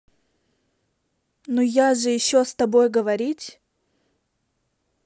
ну я же еще с тобой говорить